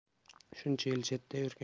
shuncha yil chetda yurgan